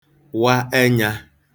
wa ẹnyā